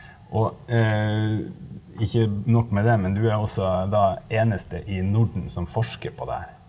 og ikke nok med det men du er også da eneste i Norden som forsker på det her.